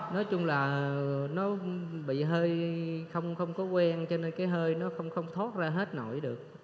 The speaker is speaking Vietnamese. nói chung là nó bị hơi không không có quen cho nên cái hơi nó không không thoát ra hết nổi được